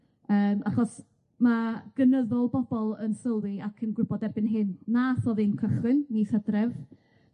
yym achos ma' gynyddol bobol yn sylwi ac yn gwbod erbyn hyn nath o ddim cychwyn mis Hydref